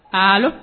Allo